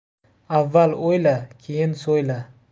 avval o'yla keyin so'yla